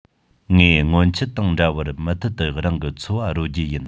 ངས སྔོན ཆད དང འདྲ བར མུ མཐུད དུ རང གི འཚོ བ རོལ རྒྱུ ཡིན